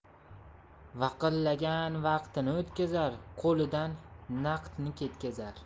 vaqillagan vaqtni o'tkazar qo'lidan naqdni ketkazar